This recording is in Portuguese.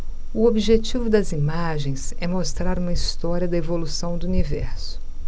o objetivo das imagens é mostrar uma história da evolução do universo